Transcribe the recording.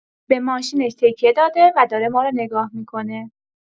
به ماشینش تکیه داده و داره مارو نگاه می‌کنه.